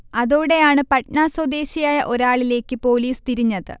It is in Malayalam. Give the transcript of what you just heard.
അതോടെയാണ് പട്ന സ്വദേശിയായ ഒരാളിലേക്ക് പോലീസ് തിരിഞ്ഞത്